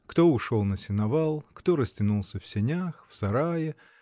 Кто ушел на сеновал, кто растянулся в сенях, в сарае